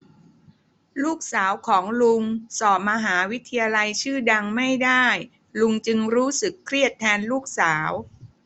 ลูกสาวของลุงสอบมหาวิทยาลัยชื่อดังไม่ได้ลุงจึงรู้สึกเครียดแทนลูกสาว